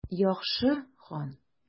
Яхшы, хан.